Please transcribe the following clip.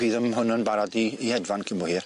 Bydd yym hwn yn barod i i hedfan cyn bo hir.